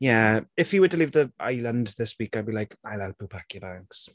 Yeah, if he were to leave the island this week, I'd be like, I'll help you pack your bags.